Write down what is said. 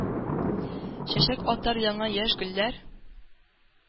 Чәчәк атар яңа яшь гөлләр.